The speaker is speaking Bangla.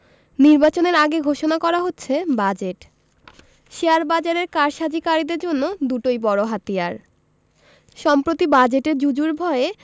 নির্বাচনের আগে ঘোষণা করা হচ্ছে বাজেট শেয়ারবাজারের কারসাজিকারীদের জন্য দুটোই বড় হাতিয়ার সম্প্রতি বাজেটের জুজুর ভয়ে